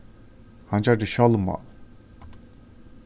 hann gjørdi sjálvmál